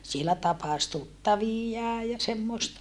siellä tapasi tuttaviaan ja semmoista